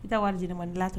I tɛ wari di man dilan to